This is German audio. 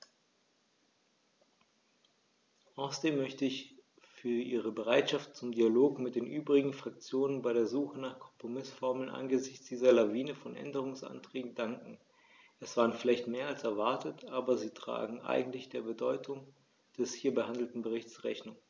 Außerdem möchte ich ihr für ihre Bereitschaft zum Dialog mit den übrigen Fraktionen bei der Suche nach Kompromißformeln angesichts dieser Lawine von Änderungsanträgen danken; es waren vielleicht mehr als erwartet, aber sie tragen eigentlich der Bedeutung des hier behandelten Berichts Rechnung.